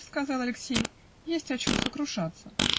-- сказал Алексей, -- есть о чем сокрушаться!